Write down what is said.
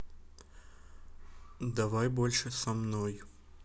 давай больше со мной